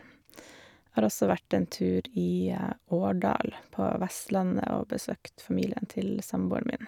Har også vært en tur i Årdal, på Vestlandet, og besøkt familien til samboeren min.